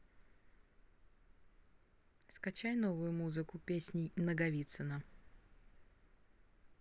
скачай новую музыку песни наговицына